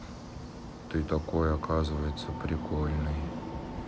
ты такой оказывается прикольный